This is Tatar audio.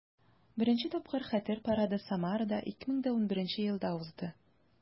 Беренче тапкыр Хәтер парады Самарада 2011 елда узды.